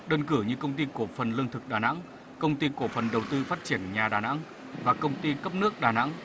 đơn cử như công ty cổ phần lương thực đà nẵng công ty cổ phần đầu tư phát triển nhà đà nẵng và công ty cấp nước đà nẵng